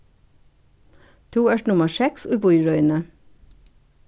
tú ert nummar seks í bíðirøðini